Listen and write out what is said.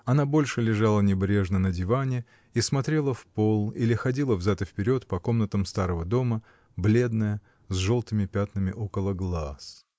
Она больше лежала небрежно на диване и смотрела в пол или ходила взад и вперед по комнатам старого дома, бледная, с желтыми пятнами около глаз.